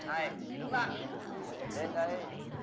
này đứng lại lên đây